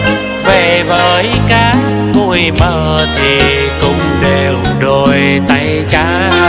về với cát bụi mờ thì cũng đều đôi tay trắng